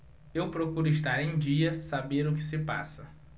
eu procuro estar em dia saber o que se passa